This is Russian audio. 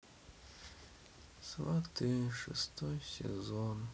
сваты шестой сезон